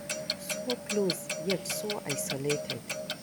So close, yet so isolated